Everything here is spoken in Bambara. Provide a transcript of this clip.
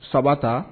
Saba ta